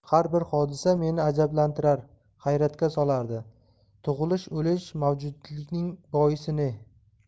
har bir hodisa meni ajablantirar hayratga solardi tug'ilish o'lish mavjudlikning boisi ne